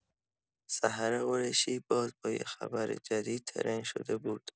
سحر قریشی باز با یه خبر جدید ترند شده بود.